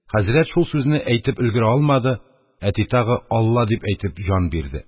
Хәзрәт шул сүзне әйтеп өлгерә алмады, әти тагы: «алла!» – дип әйтеп, җан бирде.